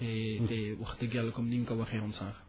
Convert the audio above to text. te te wax dëgg Yàlla comme ni ñu ko waxeewoon sànq